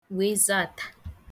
wezatā